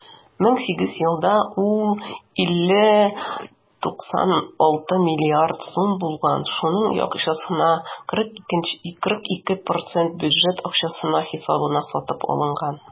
2008 елда ул 11,86 млрд. сум булган, шуның якынча 42 % бюджет акчасы хисабына сатып алынган.